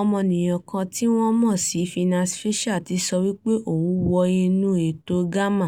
Ọmọnìyàn kan tí wọ́n mọ̀ sí "Phineas Fisher", tí ó sọ wí pé òun wọ inú àwọn ètò Gamma